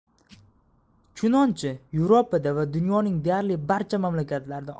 chunonchi yevropada va dunyoning deyarli barcha mamlakatlarida